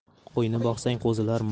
qo'yni boqsang qo'zilar